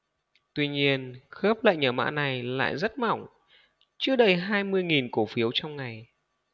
tuy nhiên khớp lệnh ở mã này lại rất mỏng chưa đầy hai mươi nghìn cổ phiếu trong ngày